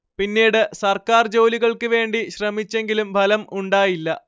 പിന്നീട് സർക്കാർ ജോലികൾക്ക് വേണ്ടി ശ്രമിച്ചെങ്കിലും ഫലം ഉണ്ടായില്ല